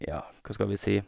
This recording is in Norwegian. Ja, hva skal vi si.